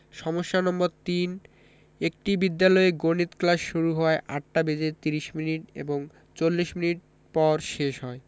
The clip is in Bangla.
সমস্যা নম্বর ৩ একটি বিদ্যালয়ে গণিত ক্লাস শুরু হয় ৮টা বেজে ৩০ মিনিট এবং ৪০ মিনিট পর শেষ হয়